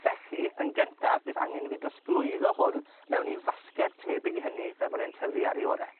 felly yn gyntaf bydd angen i fi drosglwyddo hwn mewn i fasged tebyg i hynny fel bod e'n tyfu ar 'i ore.